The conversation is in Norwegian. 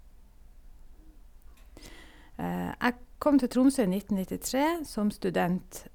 Jeg kom til Tromsø i nitten nittitre, som student.